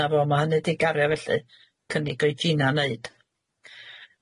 Na fo ma' hynny di gario felly, cynnig oe Gina'n neud.